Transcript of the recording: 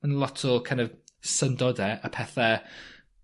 ma'n lot o kin' of syndode a pethe